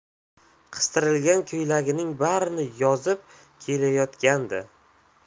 qistirilgan ko'ylagining barini yozib kelayotgandi